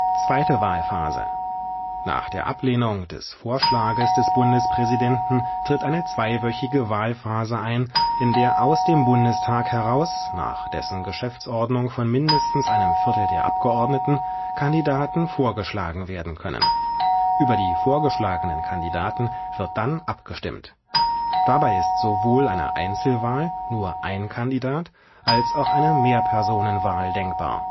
Zweite Wahlphase: Nach der Ablehnung des Vorschlags des Bundespräsidenten tritt eine zweiwöchige Wahlphase ein, in der aus dem Bundestag heraus – nach dessen Geschäftsordnung von mindestens einem Viertel der Abgeordneten – Kandidaten vorgeschlagen werden können. Über die vorgeschlagenen Kandidaten wird dann abgestimmt. Dabei ist sowohl eine Einzelwahl (nur ein Kandidat) als auch eine Mehrpersonenwahl denkbar